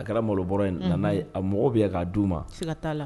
A kɛra malo bɔrɛ ye. Unhun. Nana ye, a mɔgɔ bɛ yen k'a d'u ma. Siga t'a la.